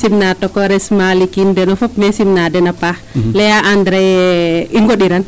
simna tokoores Malick iin deno fop maxey simna den a paax layaa Adrés yee i ngoɗiran